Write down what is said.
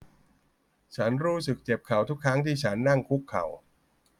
ฉันรู้สึกเจ็บเข่าทุกครั้งที่ฉันนั่งคุกเข่า